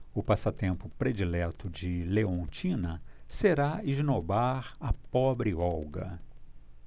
o passatempo predileto de leontina será esnobar a pobre olga